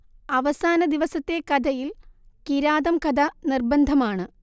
അവസാനദിവസത്തെ കഥയിൽ കിരാതംകഥ നിർബന്ധമാണ്